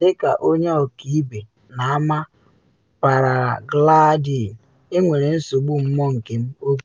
“Dị ka onye ọkaibe n’ama paraglaidin, enwere nsogbu mmụọ nke m, o kwuru.